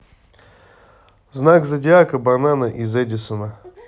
знак зодиака банана из эдисона